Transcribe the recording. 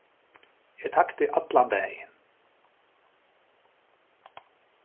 eg tagdi allan dagin